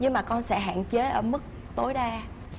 nhưng mà con sẽ hạn chế ở mức tối đa